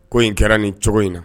Ko in kɛra nin cogo in na